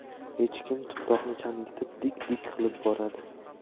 echkim tuproqni changitib dik dik qilib boradi